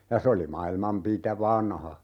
ja se oli maailman - vanha